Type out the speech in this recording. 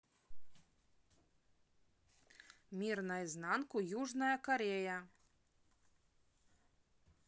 мир наизнанку южная корея